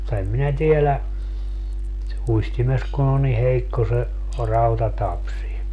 mutta en minä tiedä uistimessa kun on niin heikko se rautatapsi